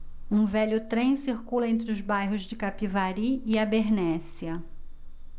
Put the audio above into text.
um velho trem circula entre os bairros de capivari e abernéssia